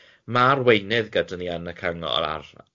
ma' arweinydd gyda ni yn y cyngor ar ar